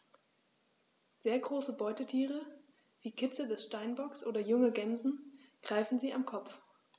Sehr große Beutetiere wie Kitze des Steinbocks oder junge Gämsen greifen sie am Kopf.